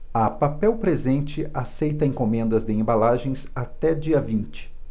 a papel presente aceita encomendas de embalagens até dia vinte